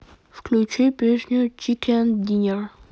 включи песню чикен динер